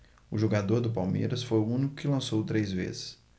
o jogador do palmeiras foi o único que lançou três vezes